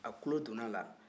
a tulo donna a la